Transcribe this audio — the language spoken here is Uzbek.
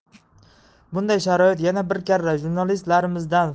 bunday sharoit yana bir karra jurnalistlarimizdan